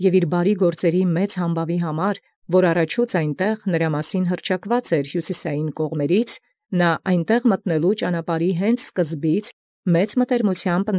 Եւ վասն առաւելագոյն բարեգործ համբաւուց՝ յառաջագոյն զնմանէ անդ ի հիւսիսական կողմանց հռչակելոց՝ առաւել միամտութեամբ։